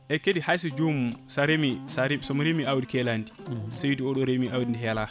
eyyi kadi hayso jomum sa reemi somi reemi awdi keeladi Saydou oɗo reemi awdi ndi heelaka